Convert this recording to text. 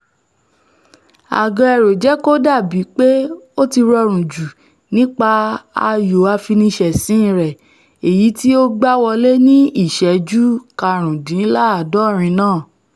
Aguero jẹ́kí ó dàbí pé ó ti rọrùn ju nípa ayò afiniṣẹ̀ṣín rẹ̀ èyití ó gbá wọlé ni ìṣẹ́jú karùndínláàdọ́rin náà.